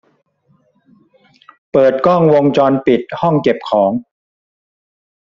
เปิดกล้องวงจรปิดห้องเก็บของ